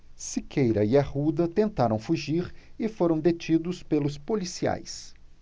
siqueira e arruda tentaram fugir e foram detidos pelos policiais